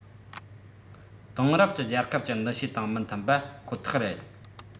དེང རབས ཀྱི རྒྱལ ཁབ ཀྱི འདུ ཤེས དང མི མཐུན པ ཁོ ཐག རེད